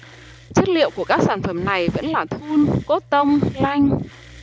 chất liệu của các sản phẩm này vẫn là thun cotton lanh